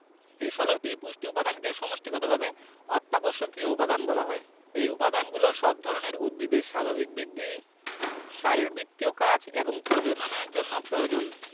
এ ১৬টি পুষ্টি উপাদানকে সমষ্টিগতভাবে অত্যাবশ্যকীয় উপাদান বলা হয় এই উপাদানগুলো সব ধরনের উদ্ভিদের স্বাভাবিক বৃদ্ধি শারীরবিত্তীয় কাজ এবং প্রজননের জন্য প্রয়োজন